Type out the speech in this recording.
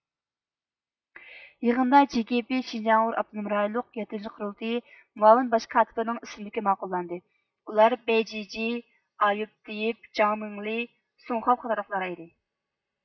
يىغىندا جې كې پې شىنجاڭ ئۇيغۇر ئاپتونوم رايونلۇق يەتتىنچى قۇرۇلتىيى مۇئاۋىن باش كاتىپلىرىنىڭ ئىسىملىكى ماقۇللاندى ئۇلار بەيجىجيې ئايۇپ تېيىپ جاڭمىڭلى سۇڭخاۋ قاتارلىقلار ئىدى